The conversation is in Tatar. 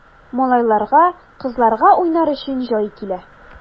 Малайларга, кызларга уйнар өчен җай килә!